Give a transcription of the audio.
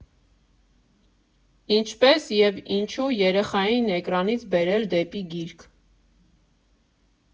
Ինչպե՞ս և ինչո՞ւ երեխային էկրանից բերել դեպի գիրք։